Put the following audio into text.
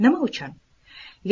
nima uchun